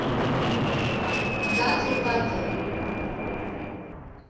Դա ծուղակ է։